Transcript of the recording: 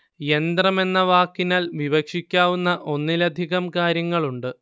യന്ത്രം എന്ന വാക്കിനാല്‍ വിവക്ഷിക്കാവുന്ന ഒന്നിലധികം കാര്യങ്ങളുണ്ട്